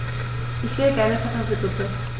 Ich will gerne Kartoffelsuppe.